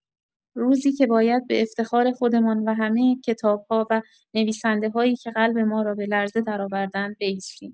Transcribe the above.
روزی که باید به افتخار خودمان و همه کتاب‌ها و نویسنده‌‌هایی که قلب ما را به لرزه درآورده‌اند بایستیم.